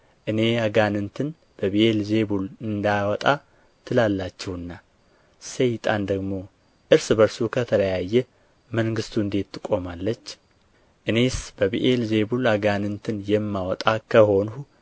እኔ አጋንንትን በብዔል ዜቡል እንዳወጣ ትላላችሁና ሰይጣን ደግሞ እርስ በርሱ ከተለያየ መንግሥቱ እንዴት ትቆማለች እኔስ በብዔል ዜቡል አጋንንትን የማወጣ ከሆንሁ